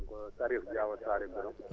Chérif Diao Saare Birame